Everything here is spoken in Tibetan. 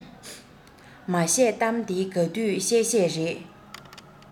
མ བཤད གཏམ དེ ག དུས བཤད བཤད རེད